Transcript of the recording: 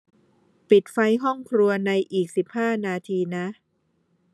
ปิดไฟห้องครัวในอีกสิบห้านาทีนะ